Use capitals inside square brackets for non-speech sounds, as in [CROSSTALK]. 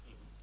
[HESITATION] [HESITATION]